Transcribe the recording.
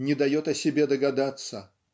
не дает о себе догадаться